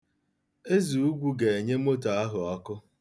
Ezeugwu ga-enye moto ahụ ọkụ.